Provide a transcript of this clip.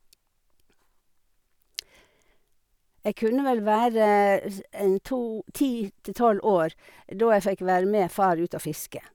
Jeg kunne vel være s en to ti til tolv år da jeg fikk være med far ut og fiske.